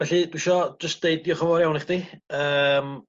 Felly dwi isio jyst deud dioch y fowr iawn i chdi yym